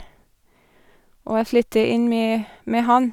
Og jeg flytte inn med med han.